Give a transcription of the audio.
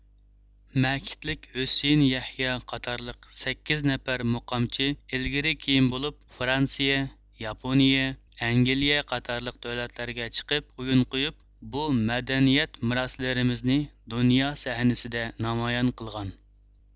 مەكىتلىك ھۈسىيىن يەھيا قاتارلىق سەككىز نەپەر مۇقامچى ئىلگىرى كېيىن بولۇپ فرانسىيە ياپونىيە ئەنگلىيە قاتارلىق دۆلەتلەرگە چىقىپ ئويۇن قويۇپ بۇ مەدەنىيەت مىراسلىرىمىزنى دۇنيا سەھنىسىدە نامايان قىلغان